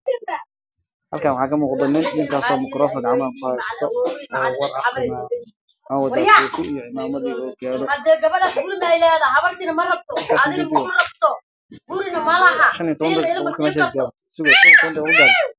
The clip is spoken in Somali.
Hal kaan waxaa ka muuqda nin gacanta ku hayo makaroofan